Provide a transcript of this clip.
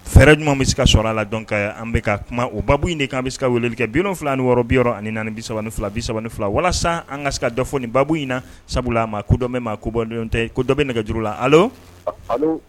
Fɛɛrɛ ɲuman min se ka sh a la dɔn ka an bɛka ka kuma o ba in ɲini k an bɛ se ka weleli kɛ binfila ni wɔɔrɔ biyɔrɔ ani naani bisa ni fila bisa ni fila walasa an ka se ka dɔ fɔ nin ba in na sabula ma ku dɔbe maa ko bɔndɔtɛ ko dɔ bɛ nɛgɛj juru la